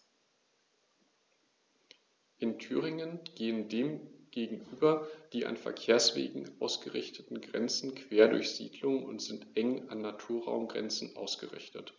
In Thüringen gehen dem gegenüber die an Verkehrswegen ausgerichteten Grenzen quer durch Siedlungen und sind eng an Naturraumgrenzen ausgerichtet.